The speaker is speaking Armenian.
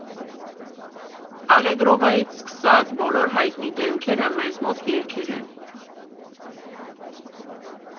Ալեգրովայից սկսած՝ բոլոր հայտնի դեմքերը մեզ մոտ երգել են։